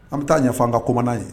An bɛ taa yafafan ka koman ye